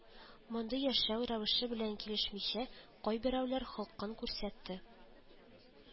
Мондый яшәү рәвеше белән килешмичә, кайберәүләр холкын күрсәтте